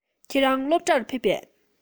ཁྱེད རང སློབ གྲྭར ཕེབས པས